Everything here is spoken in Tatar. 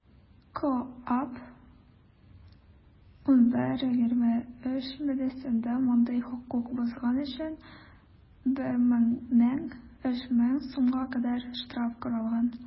КоАП 11.23 маддәсендә мондый хокук бозган өчен 1 меңнән 3 мең сумга кадәр штраф каралган.